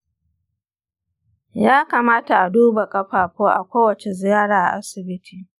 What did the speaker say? ya kamata a duba ƙafafu a kowacce ziyara a asibiti.